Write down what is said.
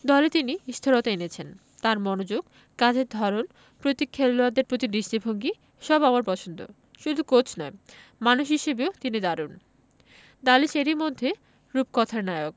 দলে তিনি স্থিরতা এনেছেন তাঁর মনোযোগ কাজের ধরন প্রত্যেক খেলোয়াড়ের প্রতি দৃষ্টিভঙ্গি সব আমার পছন্দ শুধু কোচ নয় মানুষ হিসেবেও তিনি দারুণ দালিচ এরই মধ্যে রূপকথার নায়ক